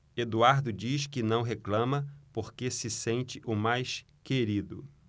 eduardo diz que não reclama porque se sente o mais querido